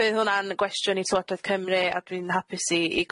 Bydd hwnna'n gwestiwn i Llywodraeth Cymru a dwi'n hapus i i